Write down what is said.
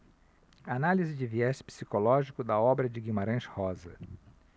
análise de viés psicológico da obra de guimarães rosa